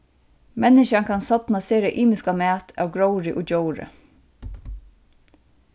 menniskjan kann sodna sera ymiskan mat av gróðri og djóri